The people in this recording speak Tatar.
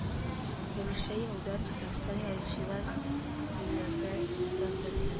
Вәлишә елдан татарстан язучылар берлеге әгъзасы